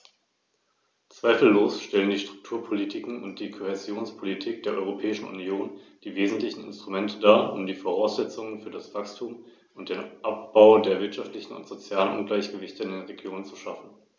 Ich habe mich meiner Stimme enthalten, weil die Frage der Sprachenregelung immer noch nicht ganz geklärt ist.